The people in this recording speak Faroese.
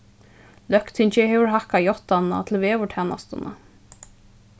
løgtingið hevur hækkað játtanina til veðurtænastuna